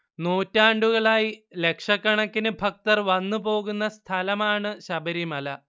നൂറ്റാണ്ടുകളായി ലക്ഷക്കണക്കിന് ഭക്തർ വന്നു പോകുന്ന സഥലമാണ് ശബരിമല